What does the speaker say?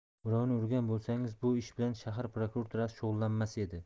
birovni urgan bo'lsangiz bu ish bilan shahar prokuraturasi shug'ullanmas edi